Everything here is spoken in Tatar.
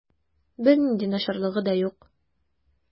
Бернинди начарлыгы да юк.